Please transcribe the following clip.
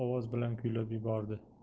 ovoz bilan kuylab yubordi